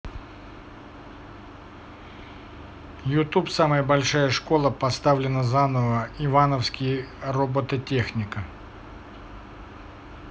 youtube самая большая школа поставлена заново ивановский робототехника